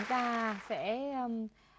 ta sẽ